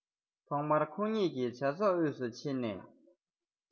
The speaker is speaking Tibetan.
ཐོག མར ཁོང གཉིས ཀྱི བྱ ཚོགས དབུས སུ ཕྱིན ནས